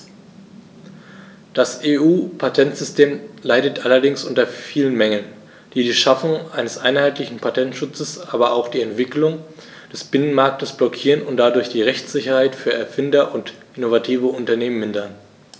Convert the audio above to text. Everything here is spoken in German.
Das EU-Patentsystem leidet allerdings unter vielen Mängeln, die die Schaffung eines einheitlichen Patentschutzes, aber auch die Entwicklung des Binnenmarktes blockieren und dadurch die Rechtssicherheit für Erfinder und innovative Unternehmen mindern.